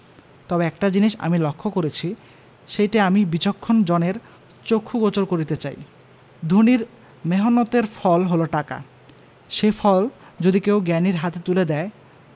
তবে একটা জিনিস আমি লক্ষ করেছি সেইটে আমি বিচক্ষণ জনের চক্ষু গোচর করতে চাই ধনীর মেহনতের ফল হল টাকা সে ফল যদি কেউ জ্ঞানীর হাতে তুলে দেয়